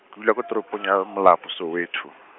ke dula ko toropong ya Molapo Soweto.